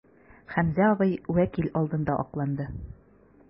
Хәмзә абый вәкил алдында акланды.